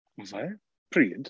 Was it? Pryd?